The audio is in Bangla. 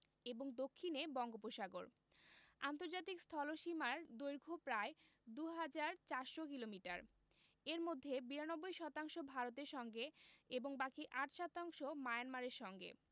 এবং দক্ষিণে বঙ্গোপসাগর আন্তর্জাতিক স্থলসীমার দৈর্ঘ্য প্রায় ২হাজার ৪০০ কিলোমিটার এর মধ্যে ৯২ শতাংশ ভারতের সঙ্গে এবং বাকি ৮ শতাংশ মায়ানমারের সঙ্গে